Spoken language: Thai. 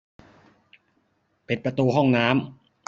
ปิดประตูห้องน้ำ